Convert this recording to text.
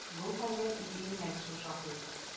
Бу хәлгә ике генә кеше шаһит.